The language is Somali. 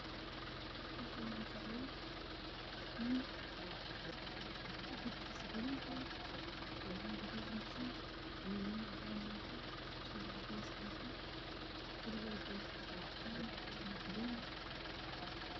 Halkaan waxaa fadhiyo nin gar gaduudan, cilaan gaduudan ayaa u marsan waxuu wataa cimaamad cadaan ah iyo shaar cadeys ah, guriga uu joogana waa cadaan iyo garee.